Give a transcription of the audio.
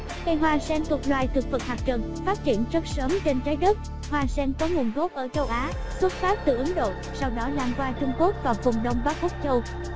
cây hoa sen thuộc loài thực vật hạt trần phát triển rát sớm trên trái đất hoa sen có nguồn gốc ở châu á xuất phát từ ấn độ sau đó sau đó lan ra trung quốc và vùng đông bắc úc châu